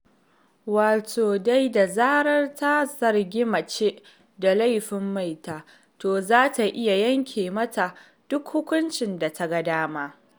Wato dai da zarar ka zargi mace da laifin maita, to za ka iya yanke mata duk hukuncin da ka ga dama.